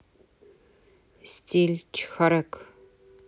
стиль чхарек